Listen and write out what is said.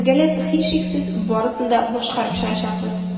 Бергәләп, һичшиксез, барысын да башкарып чыгачакбыз.